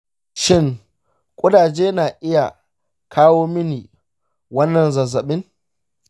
shin ƙudaje na iya kawo mini wannan zazzabi?